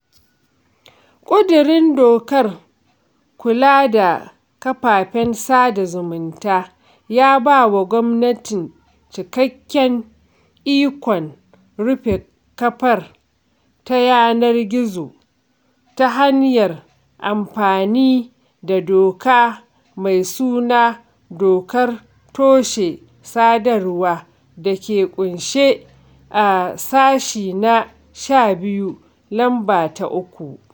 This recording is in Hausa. ƙudurin dokar kula da kafafen sada zumunta ya ba wa gwamnati cikakken ikon rufe kafar ta yanar gizo ta hanyar amfani da doka mai suna "Dokar Toshe Sadarwa" da ke ƙunshe a sashe na 12, lamba ta 3.